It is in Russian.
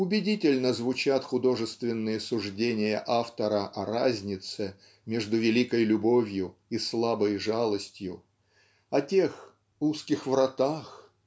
убедительно звучат художественные суждения автора о разнице между великой любовью и слабой жалостью о тех "узких вратах"